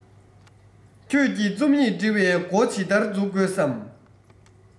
ཁྱོད ཀྱིས རྩོམ ཡིག འབྲི བའི མགོ ཇི ལྟར འཛུགས དགོས སམ